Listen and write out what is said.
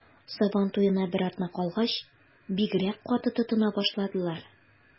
Сабан туена бер атна калгач, бигрәк каты тотына башладылар.